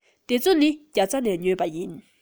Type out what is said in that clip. འདི ཚོ ནི རྒྱ ཚ ནས ཉོས པ ཡིན